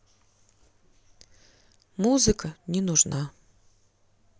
музыка не нужна